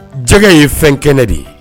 Jɛgɛ in ye fɛn kɛnɛ de ye